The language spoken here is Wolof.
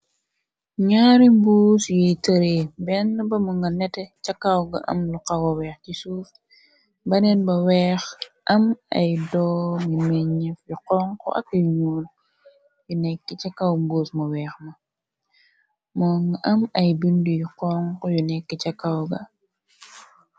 ñaari buus yuy tëree benn ba ma nga nete ca kawga am lu xawa weex ci suuf baneen ba weex am ay doo ni meñef yu xonx ak yu ñuur yu nekki ca kaw buus mu weex ma moo nga am ay bind yu xonx yu nekk ca kawga